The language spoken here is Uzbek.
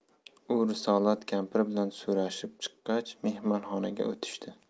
u risolat kampir bilan so'rashib chiqqach mehmonxonaga o'tishdi